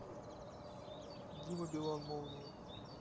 дима билан молния